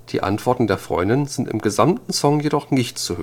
die Antworten der Freundin sind im gesamten Song jedoch nicht zu